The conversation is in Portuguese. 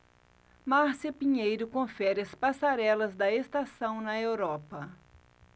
márcia pinheiro confere as passarelas da estação na europa